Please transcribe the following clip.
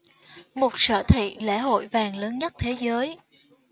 mục sở thị lễ hội vàng lớn nhất thế giới